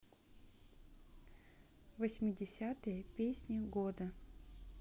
восьмидесятые песни года